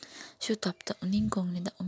shu topda uning ko'nglida